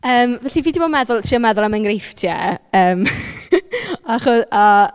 Yym felly fi 'di bo'n meddwl... trio meddwl am enghreifftiau, yym achos a...